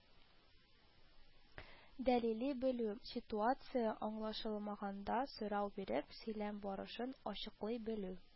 Дəлилли белү, ситуация аңлашылмаганда, сорау биреп, сөйлəм барышын ачыклый белү;